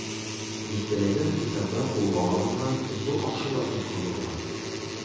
Дистәләгән хисаплар кулга алынган, зур акчалар тоткарланган.